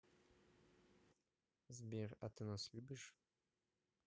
сбер а ты нас любишь